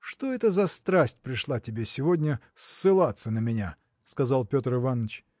– Что это за страсть пришла тебе сегодня ссылаться на меня? – сказал Петр Иваныч.